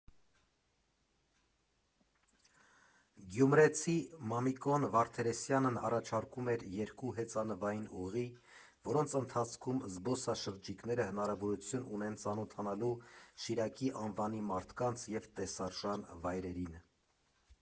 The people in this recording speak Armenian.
Գյումրեցի Մամիկոն Վարդերեսյանն առաջարկում է երկու հեծանվային ուղի, որոնց ընթացքում զբոսաշրջիկները հնարավորություն ունեն ծանոթանալու Շիրակի անվանի մարդկանց և տեսարժան վայրերին։